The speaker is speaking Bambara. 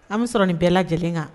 An bɛ sɔrɔ nin bɛɛ lajɛlen kan